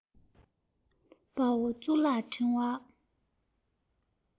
དཔའ བོ གཙུག ལག ཕྲེང བ